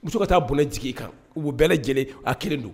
Muso ka taa bon sigi kan u' bɛɛ lajɛlen a kelen don